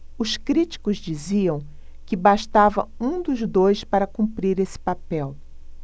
os críticos diziam que bastava um dos dois para cumprir esse papel